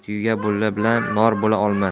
tuya bo'lgan bilan nor bo'la olmas